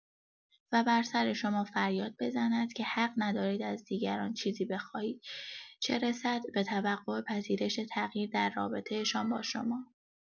و بر سر شما فریاد بزند که حق ندارید از دیگران چیزی بخواهید، چه رسد به توقع پذیرش تغییر در رابطه‌شان با شما.